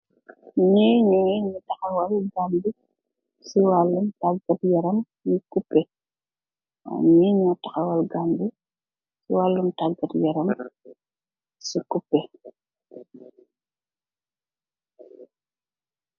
Ñii ñu ngee taxaw bal bi si waalum kupe, waaw, ñii ñoo taxawal bal bi ci waalum kupe, ci wallu taagat yaram, si kuppe.